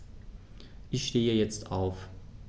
Ich stehe jetzt auf.